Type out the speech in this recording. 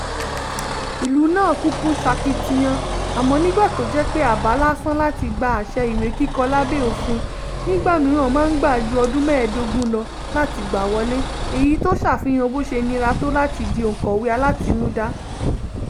Ìlù náà kúkú ń sakitiyan àmọ́ nígbà tó jẹ́ pé àbá lásán làtì gba àṣẹ ìwé kíkọ lábẹ́ òfin nígbà míràn máa ń gbà ju ọdún 15 lọ láti gbà wọlé, èyí tó ṣàfihàn bó ṣe nira tó láti di onkọ̀wé alátinúdá.